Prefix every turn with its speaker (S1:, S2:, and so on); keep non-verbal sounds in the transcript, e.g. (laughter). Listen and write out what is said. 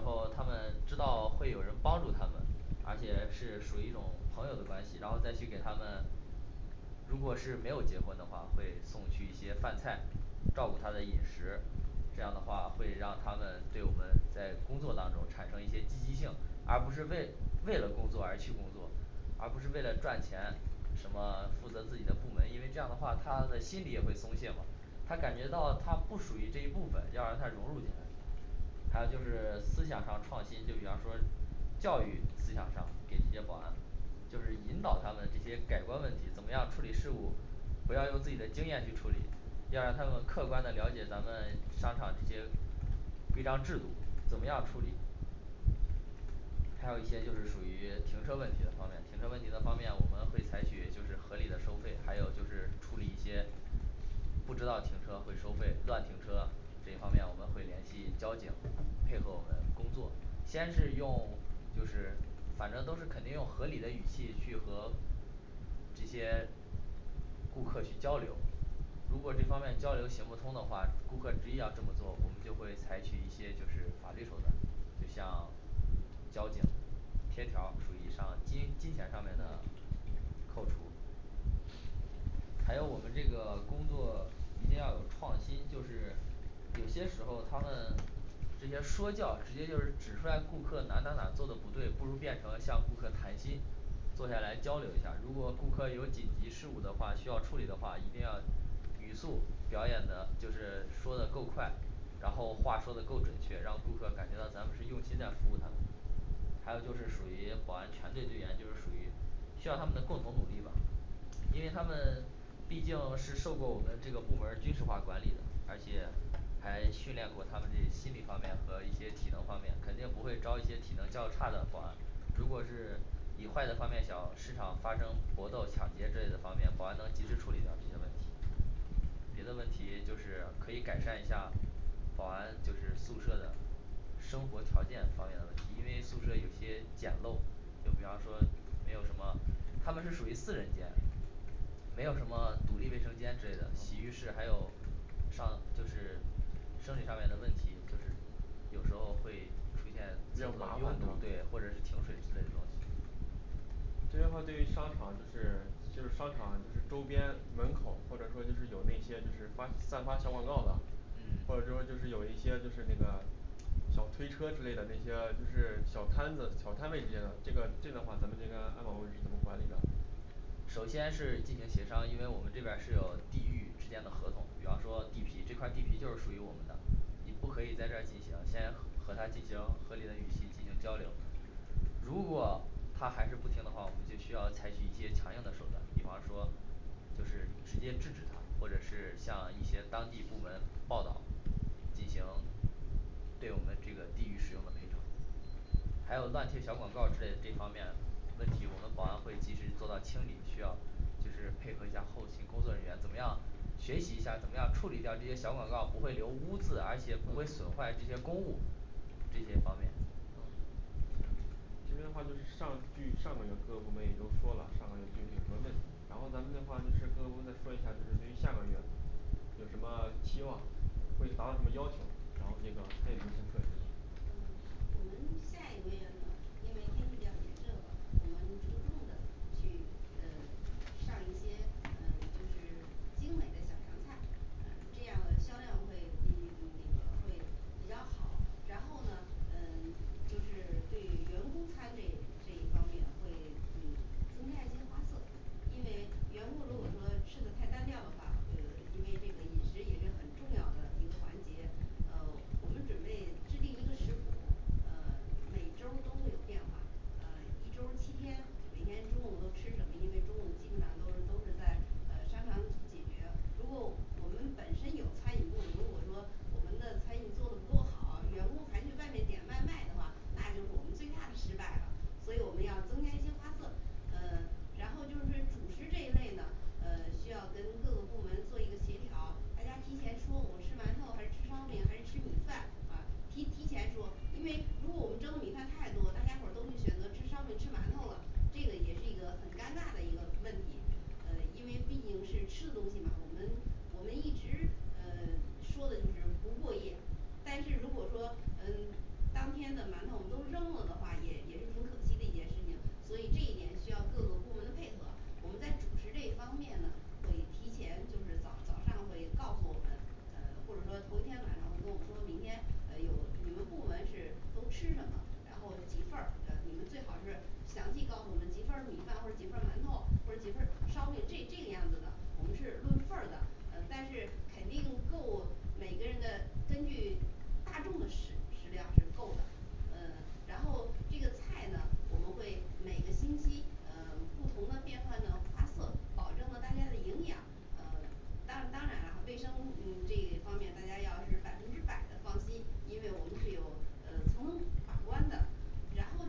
S1: 候，他们知道会有人帮助他们，而且是属于一种朋友的关系然后再去给他们如果是没有结婚的话，会送去一些饭菜，照顾他的饮食这样的话会让他们对我们在工作当中产生一些积极性，而不是为为了工作而去工作而不是为了赚钱什么负责自己的部门，因为这样的话他的心里也会松懈嘛他感觉到他不属于这一部分，要让他融入进来还有就是 (silence) 思想上创新，就比方说教育思想上给这些保安就是引导他们这些改观问题怎么样处理事务不要用自己的经验去处理，要让他们客观地了解咱们商场这些规章制度怎么样处理
S2: 还有一些就是属于停车问题的方面，停车问题的方面，我们会采取就是合理的收费，还有就是处理一些
S1: 不知道停车会收费乱停车这方面，我们会联系交警，配合我们工作，先是用 (silence) 就是反正都是肯定用合理的语气去和这些顾客去交流，如果这方面交流行不通的话，顾客执意要这么做，我们就会采取一些就是法律手段就像交警贴条儿属于上金金钱上面的
S3: 对
S1: 扣除还有我们这个工作一定要有创新，就是 (silence) 有些时候他们 (silence) 这些说教直接就是指出来顾客哪儿哪儿哪儿做的不对，不如变成向顾客谈心坐下来交流一下儿，如果顾客有紧急事务的话，需要处理的话，一定要语速表演的就是说的够快然后话说的够准确，让顾客感觉到咱们是用心在服务他还有就是属于保安全队队员就是属于需要他们的共同努力吧因为他们 (silence) 毕竟是受过我们这个部门儿军事化管理的而且还训练过他们这心理方面和一些体能方面，肯定不会招一些体能较差的保安如果是以坏的方面想市场发生搏斗抢劫之类的方面，保安能及时处理掉这些问题别的问题就是可以改善一下。保安就是宿舍的生活条件方面的问题，因为宿舍有些简陋就比方说没有什么他们是属于四人间没有什么独立卫生间之类的，洗浴室还有上就是生理上面的问题，就是有时候会出现
S3: 比较
S1: 拥
S3: 麻烦
S1: 堵，
S3: 对吧
S1: 对或者是停水之类的东西
S3: 这一块儿对于商场就是就是商场就是周边门口或者说就是有那些就是发散发小广告的
S1: 嗯
S3: 或者说就是有一些就是那个小推车之类的那些就是小摊子小摊位之间的这个这类话，咱们这个安保部门是怎么管理的
S1: 首先是进行协商，因为我们这边儿是有地域之间的合同，比方说地皮这块地皮就是属于我们的，你不可以在这儿进行先和和他进行合理的语气进行交流如果他还是不听的话，我们就需要采取一些强硬的手段，比方说就是直接制止他，或者是向一些当地部门报道进行对我们这个地域使用的赔偿还有乱贴小广告之类这方面，问题我们保安会及时做到清理，需要就是配合一下后勤工作人员怎么样学习一下怎么样处理掉这些小广告，不会留污渍，而且不会损坏这些公物这些方面
S3: 哦行 (unintelligible) 行这边的话就是上距上个月各个部门也都说了，上个月具体有什么问题，然后咱们的话各个部门再说一下，就是对于下个月有什么期望，会达到什么要求，然后这个餐饮部先说一下
S4: 嗯我们 (silence) 下一个月的因为天气比较炎热了，我们着重的去呃 (silence) 上一些呃就是 (silence) 因为员工如果说吃的太单调的话，呃因为这个饮食也是很重要的一个环节呃我们准备制定一个食谱，呃每周儿都会有变化呃一周儿七天，每天中午都吃什么，因为中午基本上都都是在呃商场解决，如果我我们本身有餐饮部，如果说我们的餐饮做得不够好，员工还去外面点外卖的话，那就是我们最大的失败了提提前说，因为如果我们蒸的米饭太多，大家伙儿都去选择吃烧饼吃馒头了，这个也是一个很尴尬的一个问题呃因为毕竟是吃的东西嘛，我们我们一直呃 (silence) 说的就是不过夜，但是如果说嗯当天的馒头我们都扔了的话，也也是挺可惜的一件事情，所以这一点需要各个部门的配合，我们在主食这一方面呢会提前就是早早上会告诉我们，呃或者说头一天晚上会跟我们说，明天呃有你们部门是都吃什么，然后几份儿呃你们最好是详细告诉我们几份儿米饭或者几份儿馒头或者几份儿烧饼这这个样子的我们是论份儿的呃但是肯定够每个人的根据大众的食食量是够的呃然后这个菜呢我们会每个星期呃不同的变换的花色保证了大家的营养呃当当然啦卫生嗯这一方面大家要是百分之百的放心，因为我们是有呃层层把关的然后